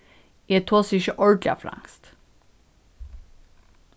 eg tosi ikki ordiliga franskt